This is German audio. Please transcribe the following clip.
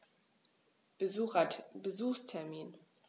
Besuchstermin